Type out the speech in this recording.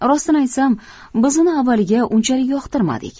rostini aytsam biz uni avvaliga unchalik yoqtirmadik